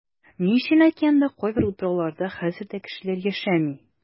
Ни өчен океанда кайбер утрауларда хәзер дә кешеләр яшәми?